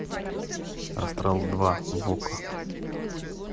астрал два в окко